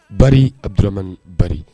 Bari abiuramani bari